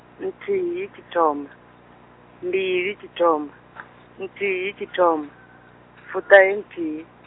nthihi tshithoma, mbili tshithoma, nthihi tshithoma, fuṱahenthihi.